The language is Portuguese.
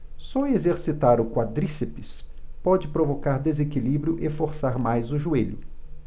só exercitar o quadríceps pode provocar desequilíbrio e forçar mais o joelho